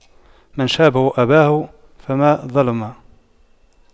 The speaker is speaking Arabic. من شابه أباه فما ظلم